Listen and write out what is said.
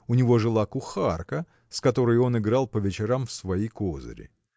У него жила кухарка, с которой он играл по вечерам в свои козыри.